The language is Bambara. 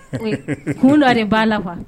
Ee ku dɔ de b'a la wa